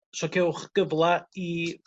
so gewch gyfla i